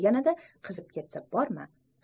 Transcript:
yanada qizib ketsa bormi